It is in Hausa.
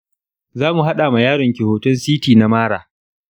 zamu haɗa ma yaron ki hoton ct na mara.